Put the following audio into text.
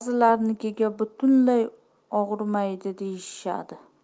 bazilariniki butunlay og'rimaydi deyishadi